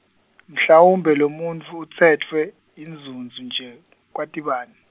mhlawumbe lomuntfu utsetfwe, yinzuzu nje, kwati bani?